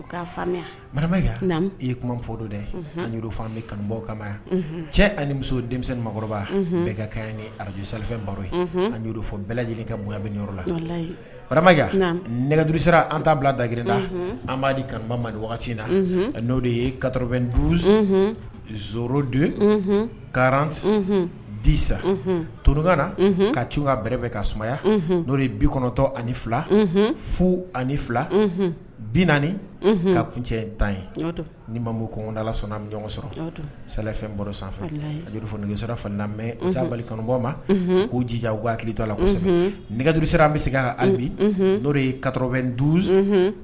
I kanu cɛ ani muso denmisɛnkɔrɔba bɛɛ ka ka ni araj sa baro ye bɛɛ lajɛlen ka bonya bɛ la bara nɛgɛdusira an' bila dagkila an b' kanuba na n' de ye duouru don garantisa tunkan na ka c ka ka sumaya n'o ye bikɔnɔtɔ ani fila fu ani fila bi naani ka kun cɛ tan ye ni mamu kɔndala sɔnna ɲɔgɔn sɔrɔ safɛn baro sanfɛ adu sɔrɔ ja bali kɔnɔbɔ ma k'o jija hakilitɔ la kosɛbɛ nɛgɛduse an bɛ se ka alibi n' de ye du